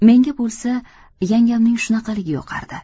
menga bo'lsa yangamning shunaqaligi yoqardi